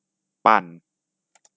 ปั่น